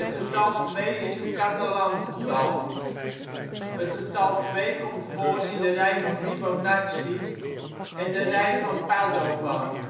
getal 2 is een Catalan-getal. Het getal 2 komt voor in de rij van Fibonacci en de rij van Padovan